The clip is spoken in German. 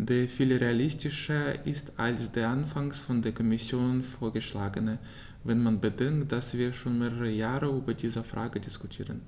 der viel realistischer ist als der anfangs von der Kommission vorgeschlagene, wenn man bedenkt, dass wir schon mehrere Jahre über diese Frage diskutieren.